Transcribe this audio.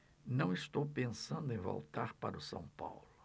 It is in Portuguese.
não estou pensando em voltar para o são paulo